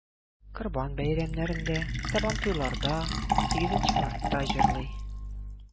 Корбан бәйрәмнәрендә, Сабантуйларда, 8 Мартта җырлый.